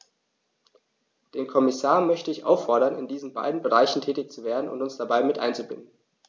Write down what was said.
Den Kommissar möchte ich auffordern, in diesen beiden Bereichen tätig zu werden und uns dabei mit einzubinden.